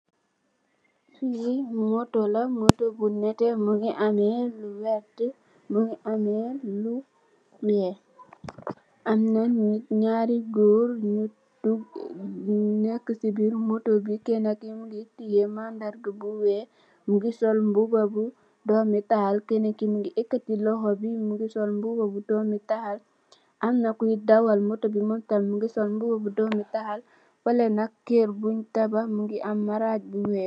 Fee motou la motou bu neteh muge ameh lu werte muge ameh lu weex amna neet nyari goor nu neka se birr motou be kenake muge teye manarga bu weex muge sol muba bu dome tahal kanake muge ekate lohou be muge sol muba bu dome tahal amna koy dawal motou be mum tam muge sol muba bu dome tahal fela nak kerr bun tabax muge am marag bu weex.